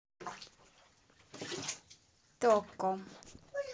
токо